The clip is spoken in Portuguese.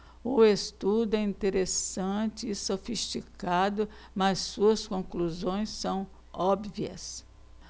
o estudo é interessante e sofisticado mas suas conclusões são óbvias